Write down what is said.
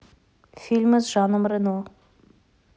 фильмы с жаном рено